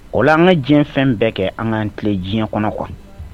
O an ka diɲɛ fɛn bɛɛ kɛ an'an tilen diɲɛ kɔnɔ wa